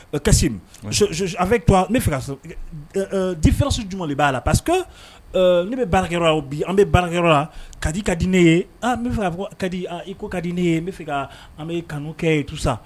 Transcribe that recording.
Kasi fɛ di fɛrɛso jumɛn de b'a la parce que ne bɛ baarakɛ o bi an bɛ baarayɔrɔ la ka di ka di ne ye n fɛ ka di i ko ka di ne ye n bɛ fɛ an bɛ kanu kɛ tusa